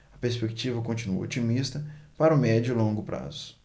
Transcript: a perspectiva continua otimista para o médio e longo prazos